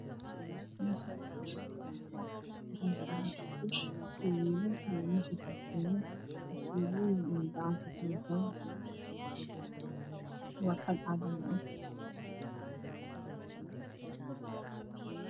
Meeshaani waa shul banaan waxaa jooga gabdho wiilal suumaayin ayey gacanta ku wataan warqado cadaan